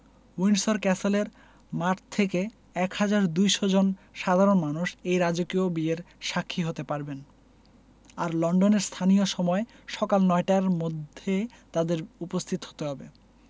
Windsor ক্যাসেলের মাঠ থেকে ১হাজার ২০০ জন সাধারণ মানুষ এই রাজকীয় বিয়ের সাক্ষী হতে পারবেন আর লন্ডনের স্থানীয় সময় সকাল নয়টার মধ্যে তাঁদের উপস্থিত হতে হবে